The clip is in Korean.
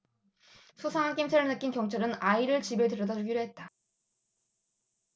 수상한 낌새를 느낀 경찰은 아이를 집에 데려다 주기로 했다